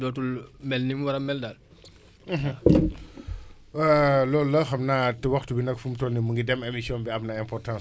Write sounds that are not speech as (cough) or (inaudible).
(hesitation) (hesitation) (noise) (hesitation) loolu la xam naa waxtu bi nag fu mu toll nii mu ngi dem émission bi am na importance trop alors (hesitation) Yaya Dieng